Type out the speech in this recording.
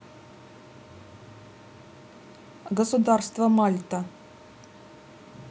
государство мальта